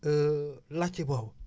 laajte boobu